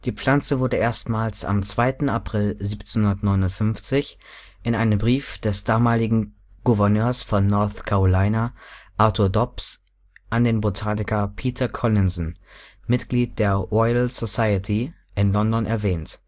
Pflanze wurde erstmals am 2. April 1759 in einem Brief des damaligen Gouverneurs von North Carolina, Arthur Dobbs, an den Botaniker Peter Collinson, Mitglied der Royal Society, in London erwähnt